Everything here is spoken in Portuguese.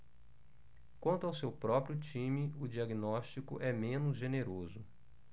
quanto ao seu próprio time o diagnóstico é menos generoso